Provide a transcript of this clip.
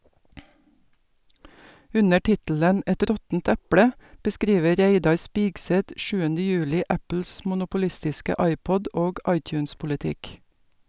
Under tittelen "Et råttent eple" beskriver Reidar Spigseth sjuende juli Apples monopolistiske iPod- og iTunes-politikk.